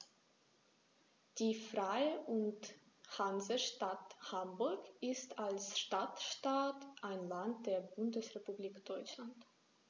Die Freie und Hansestadt Hamburg ist als Stadtstaat ein Land der Bundesrepublik Deutschland.